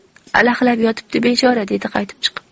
alahlab yotibdi bechora dedi qaytib chiqib